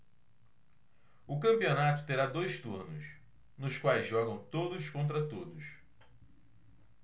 o campeonato terá dois turnos nos quais jogam todos contra todos